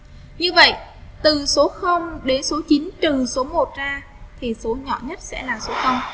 như vậy từ số đến số số a thì số nhỏ nhất sẽ là số